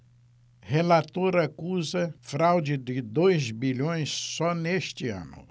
relator acusa fraude de dois bilhões só neste ano